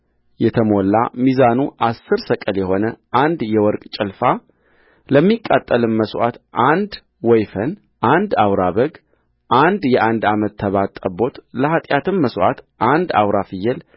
የተሞላ ሚዛኑ አሥር ሰቅል የሆነ አንድ የወርቅ ጭልፋለሚቃጠልም መሥዋዕት አንድ ወይፈን አንድ አውራ በግ አንድ የአንድ ዓመት ተባት ጠቦትለኃጢአትም መሥዋዕት አንድ አውራ ፍየል